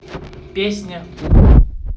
песня лучшая